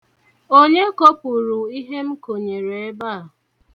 Onye kopụrụ ihe m konyere ebe a?